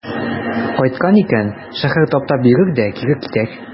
Кайткан икән, шәһәр таптап йөрер дә кире китәр.